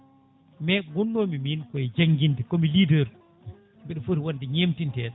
mais gonnomi min koye jangguinde komi leadeur mbiɗa footi wonde ñemtinteɗo